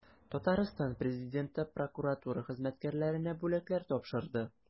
Татарстан Президенты прокуратура хезмәткәрләренә бүләкләр тапшырды.